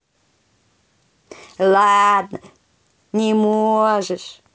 ладно не можешь